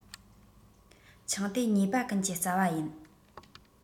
ཆང དེ ཉེས པ ཀུན གྱི རྩ བ ཡིན